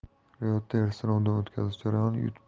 reuterssinovdan o'tkazish jarayoni